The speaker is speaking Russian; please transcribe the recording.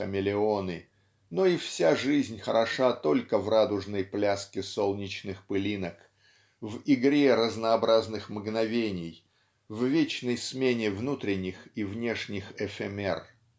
хамелеоны", но и вся жизнь хороша только в радужной пляске солнечных пылинок, в игре разнообразных мгновений, в вечной смене внутренних и внешних эфемер.